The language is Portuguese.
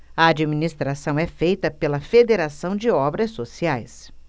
a administração é feita pela fos federação de obras sociais